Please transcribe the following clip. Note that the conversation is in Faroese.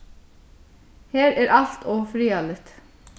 her er alt ov friðarligt